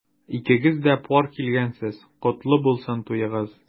Икегез дә пар килгәнсез— котлы булсын туегыз!